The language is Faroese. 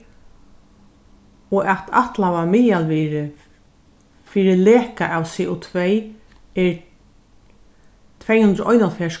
og at ætlaða miðalvirðið fyri leka av co2 er tvey hundrað og einoghálvfjerðs